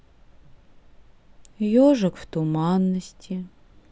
ежик в туманности